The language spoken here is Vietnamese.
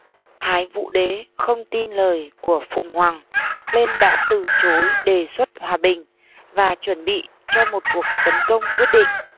thái vũ đế không tin lời của phùng hoằng nên đã từ chối đề xuất hòa bình và chuẩn bị cho một cuộc tấn công quyết định